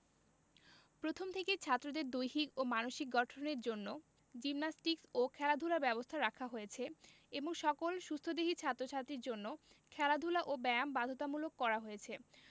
প্রথম থেকেই ছাত্রদের দৈহিক ও মানসিক গঠনের লক্ষ্যে জিমনাস্টিকস ও খেলাধুলার ব্যবস্থা রাখা হয়েছে এবং সকল সুস্থদেহী ছাত্র ছাত্রীর জন্য খেলাধুলা ও ব্যায়াম বাধ্যতামূলক করা হয়েছে